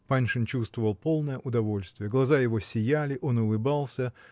Паншин чувствовал полное удовольствие глаза его сияли, он улыбался